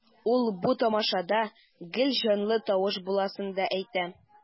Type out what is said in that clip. Ул бу тамашада гел җанлы тавыш буласын да әйтте.